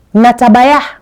Natabaya